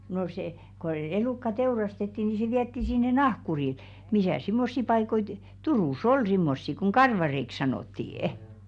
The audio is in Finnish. no se kun elukka teurastettiin niin se vietiin sinne nahkurille missäs semmoisia paikkoja - Turussa oli semmoisia kun karvareiksi sanottiin